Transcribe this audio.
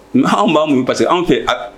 Mɛ anw b'a mun parce que anw fɛ